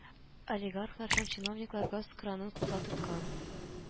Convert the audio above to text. Олигархлар һәм чиновниклар газ кранын кулда тоткан